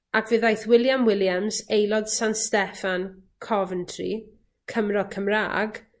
Ac fe ddaeth William Williams, aelod San Steffan Coventry, Cymro Cymra'g,